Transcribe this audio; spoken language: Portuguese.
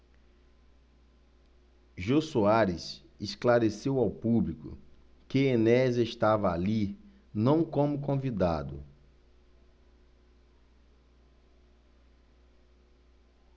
jô soares esclareceu ao público que enéas estava ali não como convidado